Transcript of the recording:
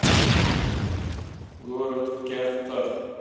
город кяхтах